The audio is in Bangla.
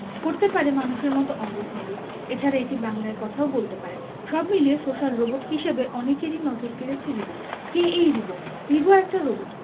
করতে পারে মানুষের মতো অঙ্গভঙ্গি এছাড়া এটি বাংলায় কথাও বলতে পারে সব মিলিয়ে সোশ্যাল রোবট হিসেবে অনেকেরই নজর কেড়েছে রিবো কে এই রিবো রিবো একটা রোবট